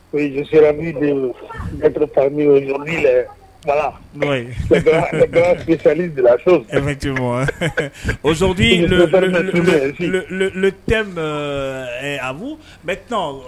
A bɛ